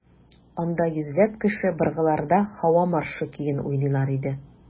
Анда йөзләп кеше быргыларда «Һава маршы» көен уйныйлар иде.